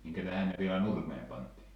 minkä tähden ne vielä nurmeen pantiin